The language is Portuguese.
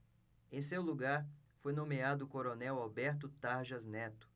em seu lugar foi nomeado o coronel alberto tarjas neto